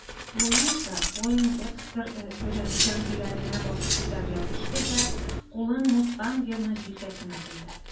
Луиза Пойндекстер өзәңгеләренә басып күтәрелә төште дә кулын мустангерның җилкәсенә куйды.